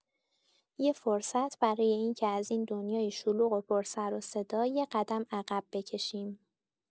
یه فرصت برای اینکه از این دنیای شلوغ و پر سر و صدا یه قدم عقب بکشیم.